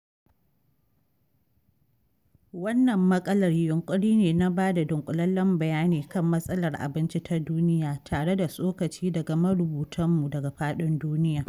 Wannan maƙalar yunƙuri ne na ba da dunƙulallen bayani kan matsalar abinci ta duniya tare da tsokaci daga marubutanmu daga faɗin duniya.